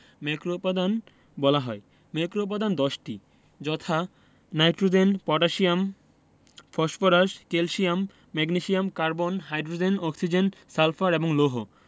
ম্যাক্রোউপাদান বলা হয় ম্যাক্রোউপাদান 10টি যথা nitrogen potassium phosphorus calcium magnesium carbon hydrogen oxygen sulphur এবং লৌহ